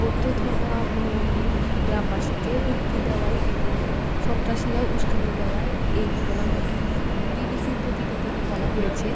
বৌদ্ধ ধর্মাবলম্বী গ্রামবাসীকে হুমকি দেওয়ায় এবং সন্ত্রাসীরা উসকানি দেওয়ায় এ ঘটনা ঘটে বিবিসির প্রতিবেদনে বলা হয়েছে